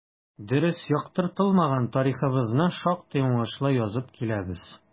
Дөрес яктыртылмаган тарихыбызны шактый уңышлы язып киләбез.